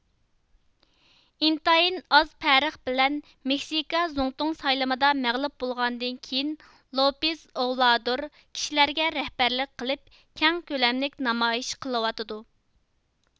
ئىنتايىن ئاز پەرق بىلەن مېكسىكا زۇڭتۇڭ سايلىمىدا مەغلۇپ بولغاندىن كېيىن لوپېز ئوۋلادور كىشىلەرگە رەھبەرلىك قىلىپ كەڭ كۆلەملىك نامايىش قىلىۋاتىدۇ